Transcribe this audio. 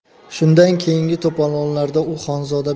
shundan keyingi to'polonlarda u xonzoda